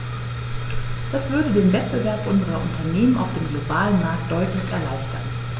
Das würde den Wettbewerb unserer Unternehmen auf dem globalen Markt deutlich erleichtern.